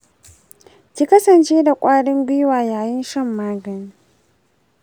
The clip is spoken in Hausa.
ki kasance da ƙwarin gwiwa yayin shan magani.